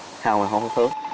hông hông hút thuốc